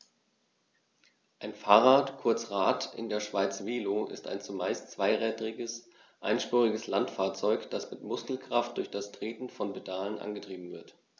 Ein Fahrrad, kurz Rad, in der Schweiz Velo, ist ein zumeist zweirädriges einspuriges Landfahrzeug, das mit Muskelkraft durch das Treten von Pedalen angetrieben wird.